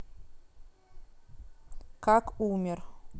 как умер